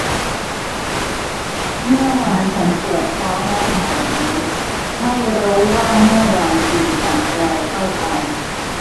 เมื่อวานฉันปวดท้องและถ่ายเหลวไม่รู้ว่าเมื่อวานกินอะไรเข้าไป